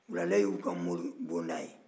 wulale y'u ka moribonda ye